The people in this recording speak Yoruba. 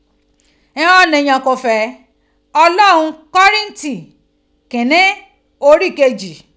Ighan oniyan ko fe Olohun korinti kinni ori keji